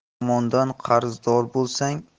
yomondan qarzdor bo'lsang